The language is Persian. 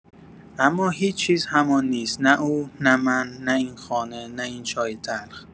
اما هیچ‌چیز همان نیست، نه او، نه من، نه این خانه، نه این چای تلخ.